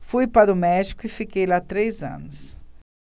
fui para o méxico e fiquei lá três anos